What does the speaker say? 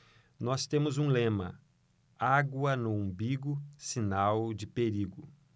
nós temos um lema água no umbigo sinal de perigo